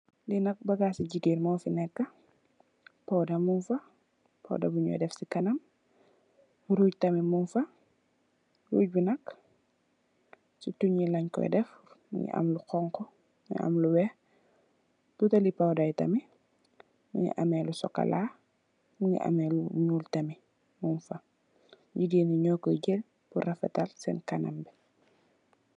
Li nak bagas su jigéen mo fi nekka powder mung fa, powder bu nyo def ci kanam. Rug tamit mung fa. Rug bi nak ci tong leen koy def, mungi am lu honku, mungi am lu weeh. Buteel li powder yi tamit mungi ameh lu sokola, mungi ameh lu ñuul tamit mung fa. Jigéen yi nyo koy jël purr rafetal senn kanam yi.